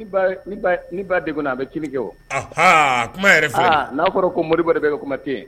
Ni ba de kɔnɔ a bɛ ki kɛɔn kuma n'a kɔrɔ ko mori dɔ de bɛ kuma ten